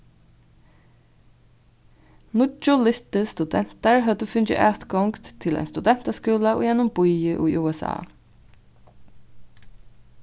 níggju littir studentar høvdu fingið atgongd til ein studentaskúla í einum býi í usa